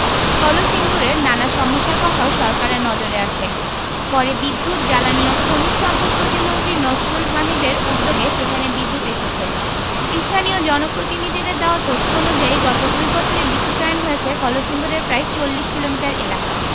কলসিন্দুরের নানা সমস্যার কথাও সরকারের নজরে আসে পরে বিদ্যুৎ জ্বালানি ও খনিজ সম্পদ প্রতিমন্ত্রী নসরুল হামিদদের উদ্যোগে সেখানে বিদ্যুৎ এসেছে স্থানীয় জনপ্রতিনিধিদের দেওয়া তথ্য অনুযায়ী গত দুই বছরে বিদ্যুতায়ন হয়েছে কলসিন্দুরের প্রায় ৪০ কিলোমিটার এলাকা